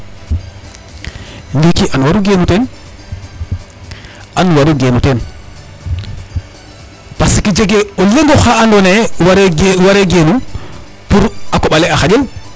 Parce que jegee o leŋ oxa andoona yee waree geenu pour a koƥ ale a xaƴel .